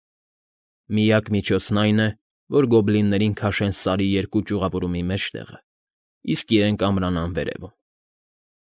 Միակ միջոցն այն է, որ գոբլիններին քաշեն Սարի երկու ճյուղավորումի մեջտեղը, իսկ իրենք ամրանան վերևում։